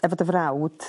efo dy frawd